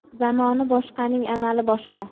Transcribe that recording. zamoni boshqaning amali boshqa